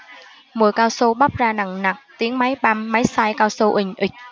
mùi cao su bốc ra nồng nặc tiếng máy băm máy xay cao su uỳnh uỵch